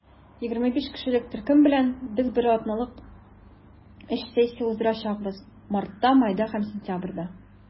25 кешелек төркем өчен без атналык өч сессия уздырачакбыз - мартта, майда һәм сентябрьдә.